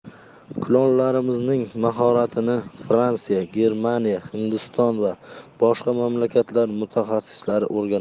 kulollarimizning mahoratini fransiya germaniya hindiston va boshqa mamlakatlar mutaxassislari o'rganmoqda